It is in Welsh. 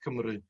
Cymru.